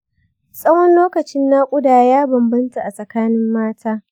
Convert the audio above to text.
tsawon lokacin naƙuda ya bam-banta a tsakanin mata